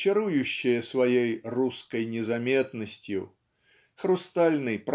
чарующая своей "русской незаметностью" хрустальный